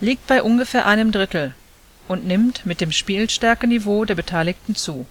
liegt bei ungefähr einem Drittel und nimmt mit dem Spielstärkeniveau der Beteiligten zu